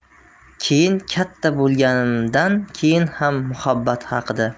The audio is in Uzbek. keyin katta bo'lganimdan keyin ham muhabbat haqida